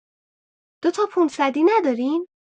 دوتا پونصدی ندارین؟